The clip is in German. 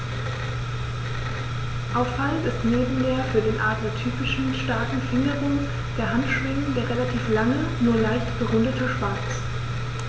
Auffallend ist neben der für Adler typischen starken Fingerung der Handschwingen der relativ lange, nur leicht gerundete Schwanz.